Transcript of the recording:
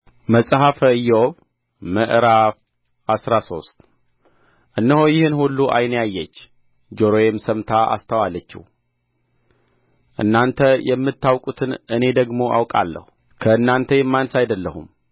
መጽሐፈ ኢዮብ ምዕራፍ አስራ ሶስት እነሆ ይህን ሁሉ ዓይኔ አየች ጆሮዬም ሰምታ አስተዋለችው እናንተ የምታውቁትን እኔ ደግሞ አውቃለሁ ከእናንተ የማንስ አይደለሁም